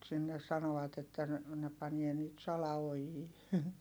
mutta sinne sanovat että ne ne panee nyt salaojia